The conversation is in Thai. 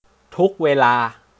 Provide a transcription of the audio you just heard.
ทุกเวลา